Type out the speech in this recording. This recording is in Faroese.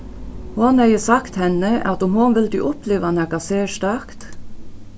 hon hevði sagt henni at um hon vildi uppliva nakað serstakt